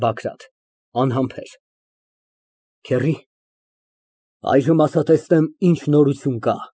ԲԱԳՐԱՏ ֊ (Անհամբեր) Քեռի, այժմ ասա տեսնեմ, ի՞նչ նորություն կա։